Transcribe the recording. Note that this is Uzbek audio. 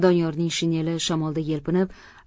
doniyorning shineli shamolda yelpinib